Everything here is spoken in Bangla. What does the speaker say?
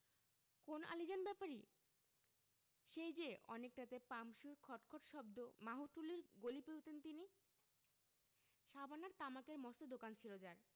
কোন আলীজান ব্যাপারী সেই যে অনেক রাতে পাম্পসুর খট খট শব্দ মাহুতটুলির গলি পেরুতেন তিনি সাবান আর তামাকের মস্ত দোকান ছিল যার